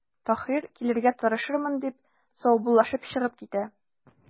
Таһир:– Килергә тырышырмын,– дип, саубуллашып чыгып китә.